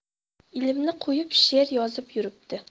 ilmni qo'yib she'r yozib yuribdi